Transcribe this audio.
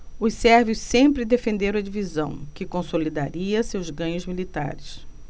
os sérvios sempre defenderam a divisão que consolidaria seus ganhos militares